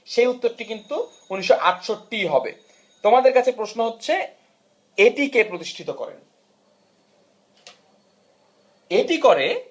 সে উত্তরটি কিন্তু হাজার 968 হবে তোমাদের কাছে প্রশ্ন হচ্ছে এ টি কে প্রতিষ্ঠা করেন এটি করে